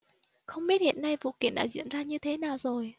không biết hiện nay vụ kiện đã diễn ra như thế nào rồi